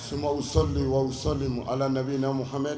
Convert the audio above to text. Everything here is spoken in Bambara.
F sɔ sa alabiina muha